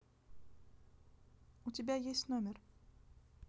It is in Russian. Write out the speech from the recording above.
у тебя есть номер